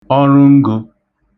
ọrụngō